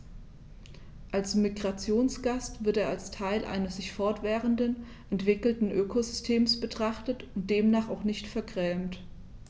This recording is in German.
Als Migrationsgast wird er als Teil eines sich fortwährend entwickelnden Ökosystems betrachtet und demnach auch nicht vergrämt.